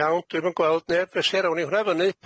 Iawn dwi'm yn gweld neb felly rown ni hwnna fyny.